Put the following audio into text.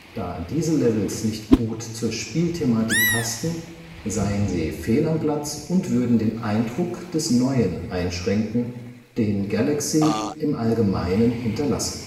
Da diese Levels nicht gut zur Spielthematik passten, seien sie fehl am Platz und würden den Eindruck des Neuen einschränken, den Galaxy im Allgemeinen hinterlasse